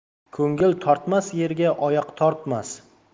ko'ngil tortmas yerga oyoq tortmas